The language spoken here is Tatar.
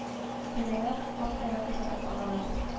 Көненә - кап тәмәке сатып алалар